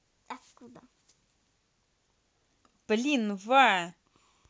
блин ва